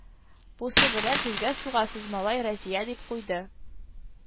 Бусы белән тезгә сугасыз, малай, Разия, дип куйды